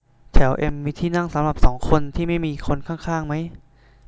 แถวเอ็มมีที่นั่งสำหรับสองคนที่ไม่มีคนข้างข้างมั้ย